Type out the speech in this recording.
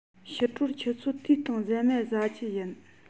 ཕྱི དྲོར ཆུ ཚོད དུའི སྟེང ཟ མ ཟ རྒྱུ ཡིན